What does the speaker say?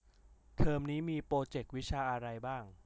เทอมนี้มีโปรเจควิชาอะไรบ้าง